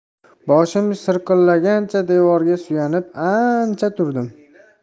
boshim sirqillagancha devorga suyanib ancha turdim